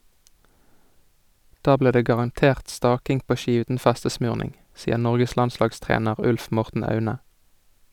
Da blir det garantert staking på ski uten festesmurning , sier Norges landslagstrener Ulf Morten Aune.